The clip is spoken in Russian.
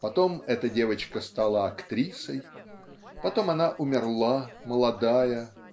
Потом эта девочка стала актрисой, потом она умерла, молодая,